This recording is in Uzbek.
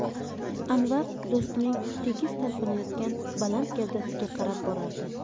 anvar do'stining tekis talpinayotgan baland gavdasiga qarab borardi